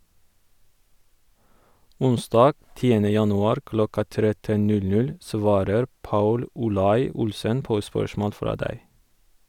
Onsdag 10. januar klokka 13.00 svarer Paul Olai Olssen på spørsmål fra deg.